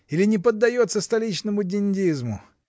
Или не поддается столичному дендизму?